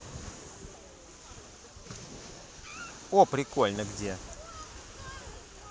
о прикольно где